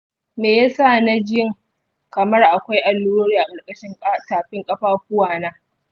me yasa na jin kamar akwai allurori a ƙarƙashin tafin ƙafafuwa na?